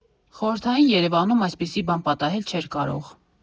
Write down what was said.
Խորհրդային Երևանում այսպիսի բան պատահել չէր կարող։